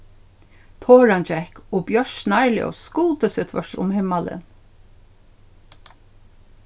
toran gekk og bjørt snarljós skutu seg tvørtur um himmalin